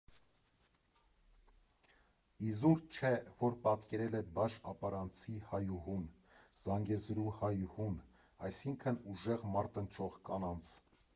Իզուր չէ, որ պատկերել է բաշ֊ապարանցի հայուհուն, զանգեզուրի հայուհուն՝ այսինքն ուժեղ, մարտնչող կանանաց։